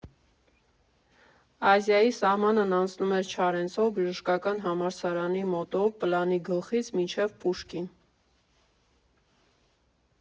«Ազիայի» սահմանն անցնում էր Չարենցով՝ Բժշկական համալսարանի մոտով, Պլանի Գլխից մինչև Պուշկին։